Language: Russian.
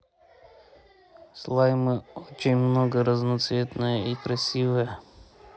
слаймы очень много разноцветные и красивые